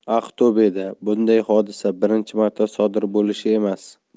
aqto'beda bunday hodisa birinchi marta sodir bo'lishi emas